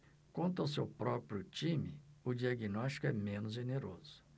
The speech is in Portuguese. quanto ao seu próprio time o diagnóstico é menos generoso